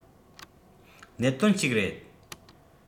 གནད དོན ཅིག རེད